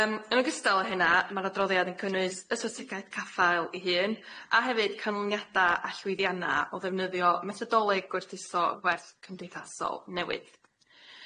Yym yn ogystal â hynna ma'r adroddiad yn cynnwys y strategaeth caffael ei hun a hefyd canlyniada a llwyddianna o ddefnyddio methodoleg gwerthuso gwerth cymdeithasol newydd.